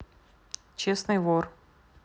честный вор